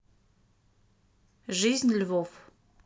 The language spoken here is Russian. жизнь львов